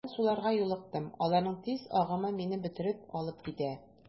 Тирән суларга юлыктым, аларның тиз агымы мине бөтереп алып китә.